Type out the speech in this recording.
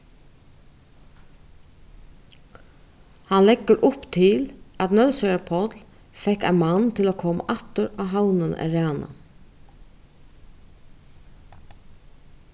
hann leggur upp til at nólsoyar páll fekk ein mann til at koma aftur á havnina at ræna